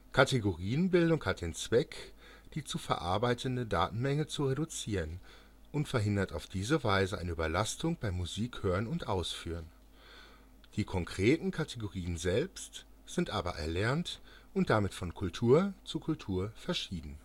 Kategorienbildung hat den Zweck, die zu verarbeitende Datenmenge zu reduzieren, und verhindert auf diese Weise eine Überlastung beim Musikhören und - ausführen. Die konkreten Kategorien selbst sind aber erlernt und damit von Kultur zu Kultur verschieden